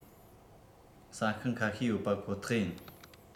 ཟ ཁང ཁ ཤས ཡོད པ ཁོ ཐག ཡིན